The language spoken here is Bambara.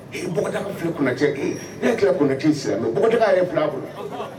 Kunnacɛ ne tila kunnana cɛ sera mɛ ye fila bolo